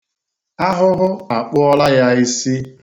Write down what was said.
Ahụhụ akpụọla ya isi.